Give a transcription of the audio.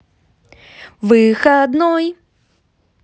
выходной